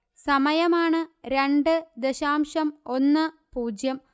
സമയമാണ് രണ്ട് ദശാംശം ഒന്ന് പൂജ്യം